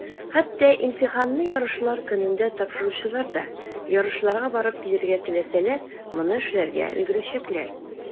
Хәтта имтиханны ярышлар көнендә тапшыручылар да, ярышларга барып килергә теләсәләр, моны эшләргә өлгерәчәкләр.